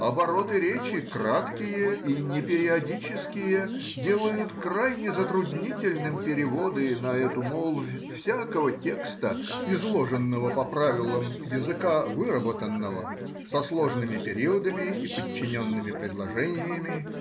обороты речи, краткие и непериодические, делают крайне затруднительным переводы на эту молвь всякого текста, изложенного по правилам языка выработанного, со сложными периодами и подчиненными предложениями